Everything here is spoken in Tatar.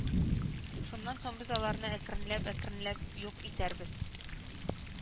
Шуннан соң без аларны әкренләп-әкренләп юк итәрбез